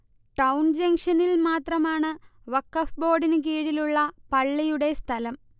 town ജങ്ഷനിൽമാത്രമാണ് വഖഫ് ബോർഡിന് കീഴിലുള്ള പള്ളിയുടെ സ്ഥലം